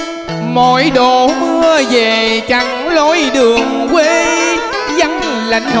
mỗi độ mưa về giăng lối đường quê dân là